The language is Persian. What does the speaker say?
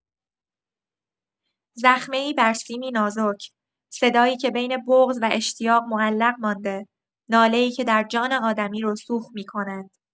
زخمه‌ای بر سیمی نازک، صدایی که بین بغض و اشتیاق معلق مانده، ناله‌ای که در جان آدمی رسوخ می‌کند.